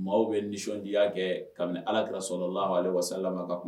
Maaw bɛ nisɔndiya kɛ kabini alakira sɔla laahu aleyihi wa salama ka kuma la